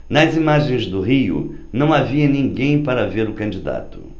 nas margens do rio não havia ninguém para ver o candidato